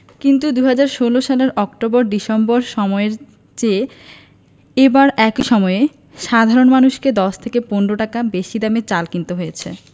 কিন্তু ২০১৬ সালের October December সময়ের চেয়ে এবার একই সময়ে সাধারণ মানুষকে ১০ থেকে ১৫ টাকা বেশি দামে চাল কিনতে হয়েছে